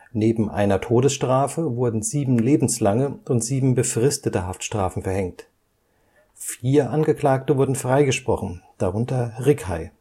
Neben einer Todesstrafe wurden sieben lebenslange und sieben befristete Haftstrafen verhängt. Vier Angeklagte wurden freigesprochen, darunter Rickhey